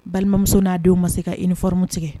Balimamuso n'a denw ma se ka i ni fmu tigɛ